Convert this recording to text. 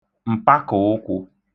m̀pakụ̀ụkwụ̄